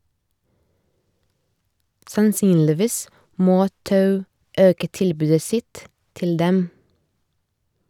Sannsynligvis må Tou øke tilbudet sitt til dem.